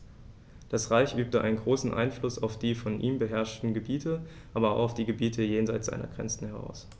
Das Reich übte einen großen Einfluss auf die von ihm beherrschten Gebiete, aber auch auf die Gebiete jenseits seiner Grenzen aus.